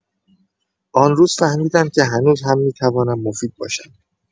آن روز فهمیدم که هنوز هم می‌توانم مفید باشم.